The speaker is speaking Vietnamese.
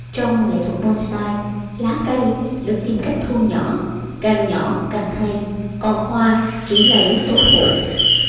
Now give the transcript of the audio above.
trong nghệ thuật bon sai lá cây được tìm cách thu nhỏ càng nhỏ càng hay còn hoa chỉ là yếu tố phụ